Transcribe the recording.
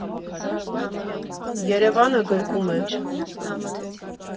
Երևանը գրկում է։